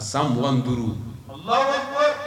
Sanugan duuru